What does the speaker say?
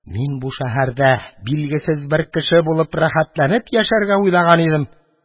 Мин бу шәһәрдә билгесез бер кеше булып, рәхәтләнеп яшәргә уйлаган идем.